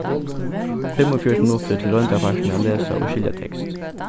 fimmogfjøruti minuttir til royndarpartin at lesa og skilja tekst